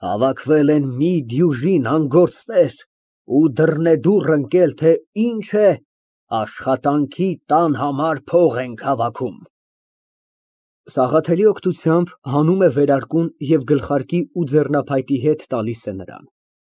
Հավաքվել են մի դյուժին անգործներ ու դռնե դուռ ընկել, թե ինչ է՝ «Աշխատանքի տան» համար փող ենք հավաքում։ (Սաղաթելի օգնությամբ հանում է վերարկուն և գլխարկի ու ձեռնոցների հետ տալիս է նրան։